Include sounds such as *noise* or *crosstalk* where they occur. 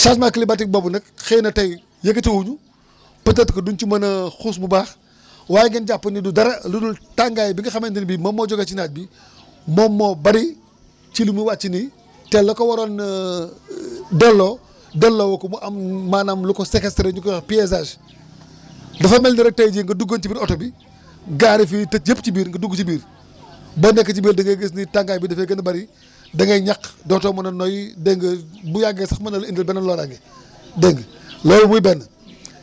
changement climatique boobu nag xëy na tey yëkkati wu ñu peut être que du ñu ci mën a xuus bu baax waaye ngeen jàpp ni du dara lu dul tàngaay bi nga xamante ne bi moom moo jógee ci naaj bi *breath* moom moo bëri ci lu mu wàcc nii te la ko waroon *hesitation* delloo delloo wu ko mu am maanaam lu ko sequestré ñu koy wax piégeage dafa mel ni rek tey jii nga duggoon ci biir oto bi garé fii tëj yëpp ci biir nga dugg si biir boo nekkee ci biir da ngay gis ni tàngaay bi dafay gën a bëri *breath* da ngay ñaq dootoo mën a noyyi dégg nga bu yàggee sax mën na la indil beneen loraange dégg nga loolu muy benn